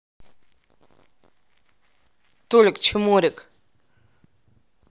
толик чморик